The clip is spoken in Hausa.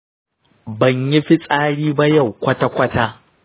banyi fitsari ba yau kwata kwata